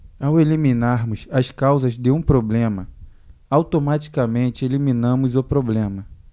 ao eliminarmos as causas de um problema automaticamente eliminamos o problema